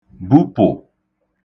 bupụ̀